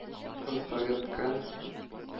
Поссоветка